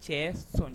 Cɛ sonɔni